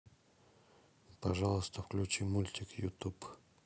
пожалуйста включите мультик ютуб